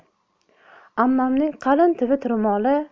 ammamning qalin tivit ro'moli